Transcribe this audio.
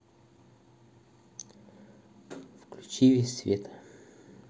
включи весь свет